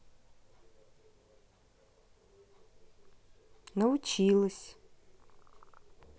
научилась